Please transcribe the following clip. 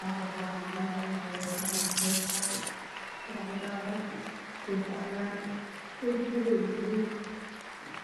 Waan niman badan oo wataan dhar cadays ,cadaan koofi modow, cagaar ah